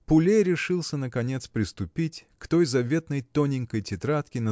Пуле решился наконец приступить к той заветной тоненькой тетрадке